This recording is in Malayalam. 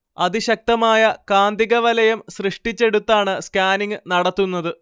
അതിശക്തമായ കാന്തിക വലയം സൃഷ്ടിച്ചെടുത്താണ് സ്കാനിങ് നടത്തുന്നത്